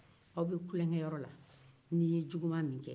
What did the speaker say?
aw bɛ tulonkɛyɔrɔ la ni i ye juguma min kɛ